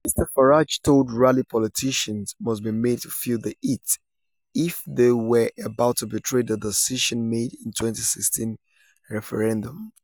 Mr Farage told the rally politicians must be made to 'feel the heat' if they were about to betray the decision made in the 2016 referendum.